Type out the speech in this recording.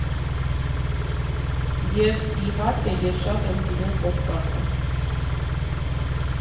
Եվ, իհարկե, ես շատ եմ սիրում Կովկասը։